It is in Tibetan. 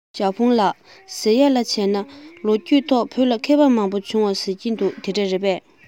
ཞའོ ཧྥུང ལགས ཟེར ཡས ལ བྱས ན ལོ རྒྱུས ཐོག བོད ལ མཁས པ མང པོ བྱུང བ རེད ཟེར གྱིས དེ འདྲ རེད པས